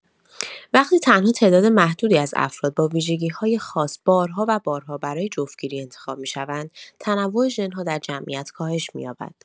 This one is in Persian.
وقتی تنها تعداد محدودی از افراد با ویژگی‌های خاص بارها و بارها برای جفت‌گیری انتخاب می‌شوند، تنوع ژن‌ها در جمعیت کاهش می‌یابد.